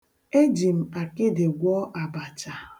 Eji m akịdị ahụ gwọọ abacha.